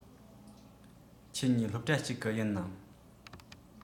ཁྱེད གཉིས སློབ གྲྭ གཅིག གི ཡིན ནམ